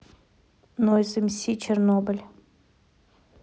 нойз мс чернобыль